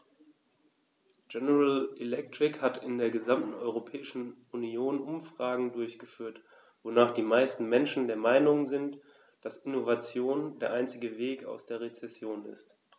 General Electric hat in der gesamten Europäischen Union Umfragen durchgeführt, wonach die meisten Menschen der Meinung sind, dass Innovation der einzige Weg aus einer Rezession ist.